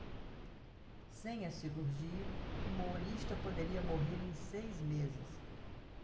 sem a cirurgia humorista poderia morrer em seis meses